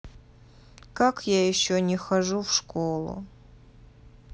как я еще не хожу в школу